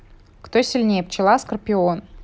кто сильнее пчела скорпион